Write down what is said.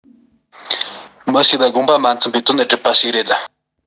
མི ཞིག ལ དགོངས པ མ ཚོམ པའི དོན བསྒྲུབ པ ཞིག རེད